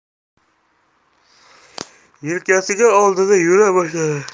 yelkasiga oldida yura boshladi